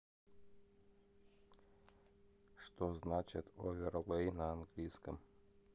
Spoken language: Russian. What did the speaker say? что значит оверлей на английском